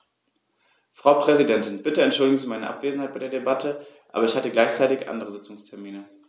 Frau Präsidentin, bitte entschuldigen Sie meine Abwesenheit bei der Debatte, aber ich hatte gleichzeitig andere Sitzungstermine.